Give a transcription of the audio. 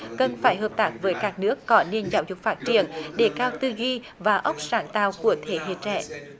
cần phải hợp tác với các nước có nền giáo dục phát triển để các tư duy và óc sáng tạo của thế hệ trẻ